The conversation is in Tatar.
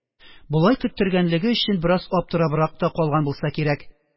Болай көттергәнлеге өчен бераз аптырабрак та калган булса кирәк